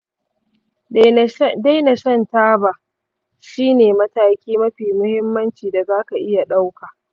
daina shan taba shi ne mataki mafi muhimmanci da za ka iya ɗauka.